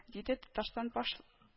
Диде татарстан баш